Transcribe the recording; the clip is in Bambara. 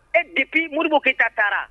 E depuis Moribo kiyita taara